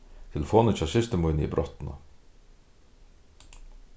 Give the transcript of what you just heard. telefonin hjá systur míni er brotnað